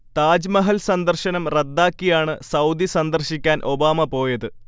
താജ്മഹൽ സന്ദർശനം റദ്ദാക്കിയാണ് സൗദി സന്ദർശിക്കാൻ ഒബാമ പോയത്